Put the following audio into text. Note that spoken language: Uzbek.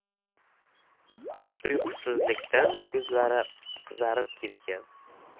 uyqusizlikdan ko'zlari qizarib ketgan